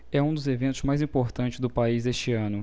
é um dos eventos mais importantes do país este ano